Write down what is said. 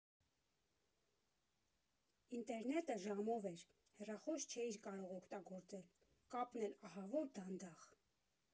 Ինտերնետը ժամով էր՝ հեռախոս չէիր կարող օգտագործել, կապն էլ ահավոր դանդաղ։